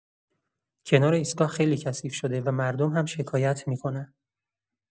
کنار ایستگاه خیلی کثیف شده و مردم هم شکایت می‌کنن.